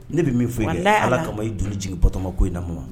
Ne bɛ min fɔ i ala kama i dumuni jigin batɔma ko i namu